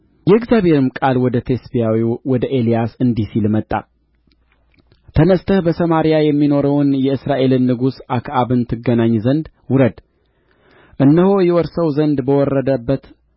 የእግዚአብሔርም ቃል ወደ ቴስብያዊው ወደ ኤልያስ እንዲህ ሲል መጣ ተነሥተህ በሰማርያ የሚኖረውን የእስራኤልን ንጉሥ አክዓብን ትገናኝ ዘንድ ውረድ እነሆ ይወርሰው ዘንድ በወረደበት